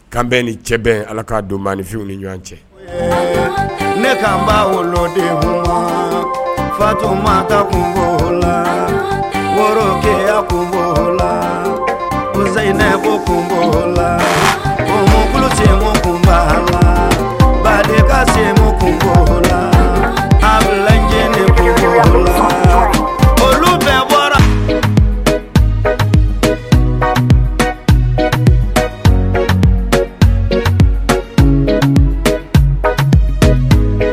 Kan bɛn nin cɛ bɛn ala k kaa don man fiwu ni ɲɔgɔn cɛ ne kamaba wolo de fakuma ta kun la worokɛ kun laseinɛ ko kun lamɔ kolosekuma kunba ba ka se kungolajɛ kun la kolo bɛ bɔra